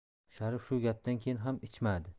sharif shu gapdan keyin ham ichmadi